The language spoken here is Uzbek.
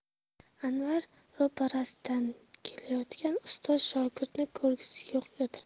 anvar ro'parasidan kelayotgan ustoz shogirdni ko'rgisi yo'q edi